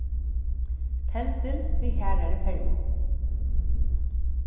teldil við harðari permu